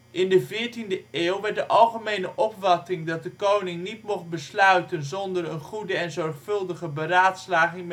In de 14e eeuw werd de algemene opvatting dat de koning niet mocht besluiten zonder een goede en zorgvuldige beraadslaging